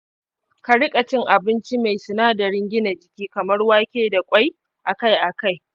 ka rika cin abinci mai sinadarin gina jiki kamar wake da kwai a kai a kai.